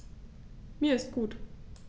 Mir ist gut.